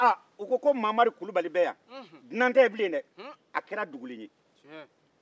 u ko ko mamari kulubali bɛ yan dunan tɛ bilen a kɛra dugulen ye